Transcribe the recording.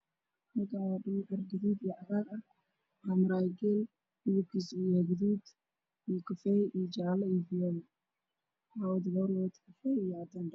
Halkaan waa dhul carro gaduud iyo cagaar ah waxaa maraayo geel gaduud, jaale, fiyool, ah waxaa wado gabar wadato dhar kafay iyo cadaan ah.